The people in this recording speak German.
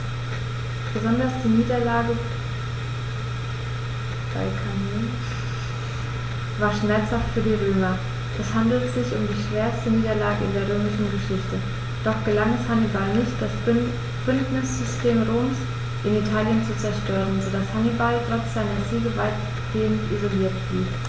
Besonders die Niederlage bei Cannae war schmerzhaft für die Römer: Es handelte sich um die schwerste Niederlage in der römischen Geschichte, doch gelang es Hannibal nicht, das Bündnissystem Roms in Italien zu zerstören, sodass Hannibal trotz seiner Siege weitgehend isoliert blieb.